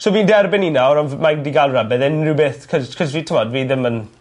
so fi'n derbyn 'i nawr ond f- mae 'di ga'l rybudd unryw beth 'c'os 'c'os fi t'mod fi ddim yn